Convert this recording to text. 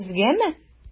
Сезгәме?